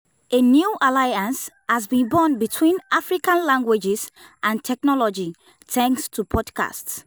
A new alliance has been born between African languages and technology, thanks to podcasts.